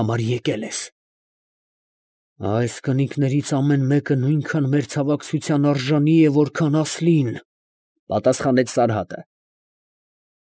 Համար եկել ես, ֊ ասաց Դալի֊Բաբան։ ֊ Այս կնիկներից ամեն մեկը նույնքան մեր ցավակցության արժանի է, որքան Ասլին, ֊ պատասխանեց Սարհատը։